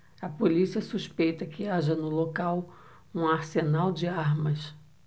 a polícia suspeita que haja no local um arsenal de armas